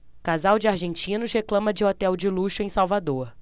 casal de argentinos reclama de hotel de luxo em salvador